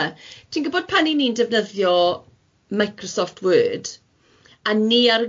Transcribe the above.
Ti'n gwbod pan y'n ni'n defnyddio Microsoft Word, a ni ar